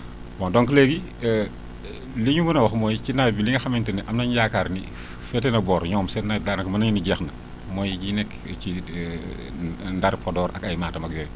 bon donc léegi li ñu mën a wax mooy ci nawet bi li nga xamante ne am nañu yaakaar ni féete na boor ñoom seen nawet daanaka mën nañu ni jeex na mooy ñi nekk ci lit ndar Podor ak ay Matam ak yooyu